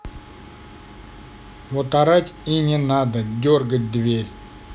вот орать и не надо дергать дверь